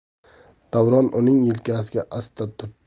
davron uning yelkasiga asta